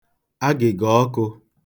agị̀gạ̀ ọkụ̄